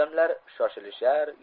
odamlar shoshilishar